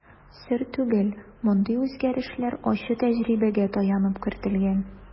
Сер түгел, мондый үзгәрешләр ачы тәҗрибәгә таянып кертелгән.